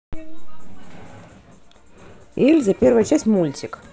эльза первая часть мультик